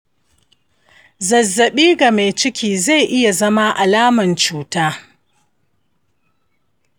zazzaɓi ga mai ciki zai iya zama alaman cuta